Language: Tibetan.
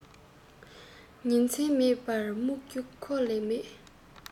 ཉིན མཚན མེད པར རྨྱུག རྒྱུ ཁོ ལས མེད